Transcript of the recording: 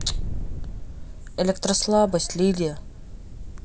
электрослабость лидия